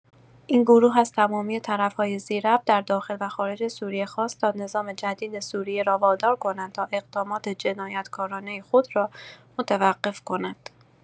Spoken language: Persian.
این گروه از تمامی طرف‌های ذی‌ربط در داخل و خارج سوریه خواست تا نظام جدید سوریه را وادار کنند تا اقدامات جنایتکارانه خود را متوقف کند.